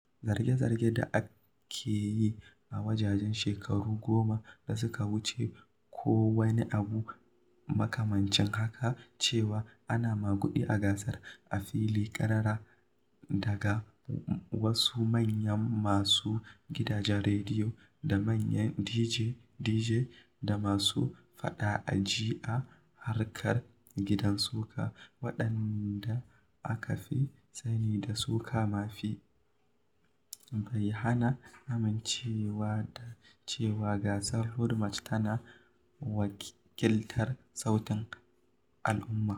Zarge-zargen da ake yi a wajejen shekaru goma da suka wuce ko wani abu makamancin haka cewa ana maguɗi a gasar - a fili ƙarara daga wasu manyan masu gidajen redio da manyan Dije-dije da masu faɗa a ji a harkar kiɗan soca waɗanda aka fi sani da "soca mafi" - bai hana amincewa da cewa gasar Road March tana wakiltar sautin al'umma.